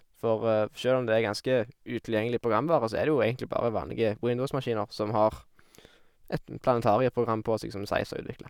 For sjøl om det er ganske utilgjengelig programvare, så er det jo egentlig bare vanlige Windows-maskiner som har et m planetarieprogram på seg som Zeiss har utvikla.